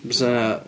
Bysa...